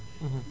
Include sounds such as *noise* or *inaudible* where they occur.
*hesitation* *hesitation*